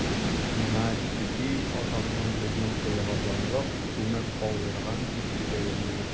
Миңа түти атамны безнең коега байлык күмеп калдырган дип сөйләгән иде.